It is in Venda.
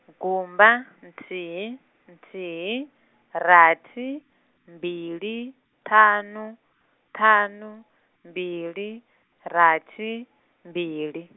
gumba, nthihi, nthihi, rathi, mbili, ṱhanu, ṱhanu, mbili, rathi, mbili.